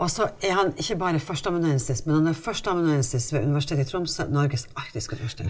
også er han ikke bare førsteamanuensis, men han er førsteamanuensis ved Universitetet i Tromsø, Norges arktiske universitet.